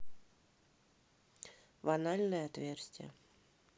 в анальное отверстие